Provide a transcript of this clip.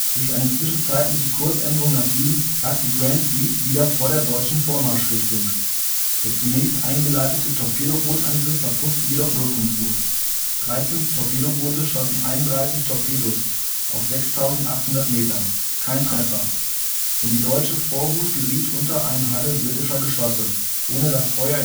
Durch eine zwischenzeitliche Kursänderung nach Süden lag die Grand Fleet wieder vor der deutschen Vormarschrichtung. Der zunächst eingeleitete Torpedobootangriff verpuffte jedoch wirkungslos (13 Torpedoboote schossen 31 Torpedos auf 6800 Meter - kein Treffer), und die deutsche Vorhut geriet unter einen Hagel britischer Geschosse, ohne das Feuer